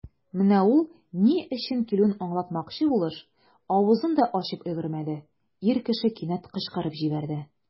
Менә ул, ни өчен килүен аңлатмакчы булыш, авызын да ачып өлгермәде, ир кеше кинәт кычкырып җибәрде.